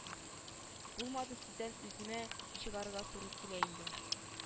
Булмады сездән үземә чыгарга туры килә инде